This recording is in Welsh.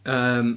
Yym...